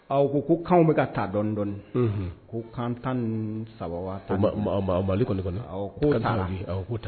Ko ko'an bɛka ka taa dɔndɔɔni ko kan tan ni saba kɔni taa